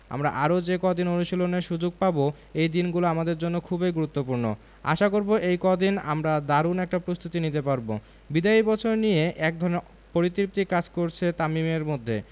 আমরা আরও যে কদিন অনুশীলনের সুযোগ পাব এই দিনগুলো আমাদের জন্য খুবই গুরুত্বপূর্ণ আশা করব এই কদিনে আমরা দারুণ একটা প্রস্তুতি নিতে পারব বিদায়ী বছর নিয়ে একধরনের পরিতৃপ্তি কাজ করছে তামিমের মধ্যে